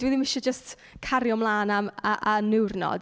Dwi ddim isie jyst cario ymlaen â'm a â niwrnod.